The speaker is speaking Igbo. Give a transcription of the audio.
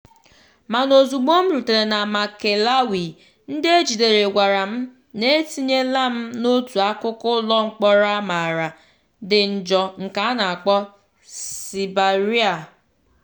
Mana ozugbo m rutere na Maekelawi, ndị e jidere gwara m na etinyela m n’otu akụkụ ụlọmkpọrọ a maara dị njọ nke a na-akpọ “Siberia”.